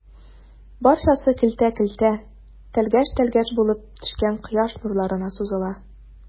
Барчасы көлтә-көлтә, тәлгәш-тәлгәш булып төшкән кояш нурларына сузыла.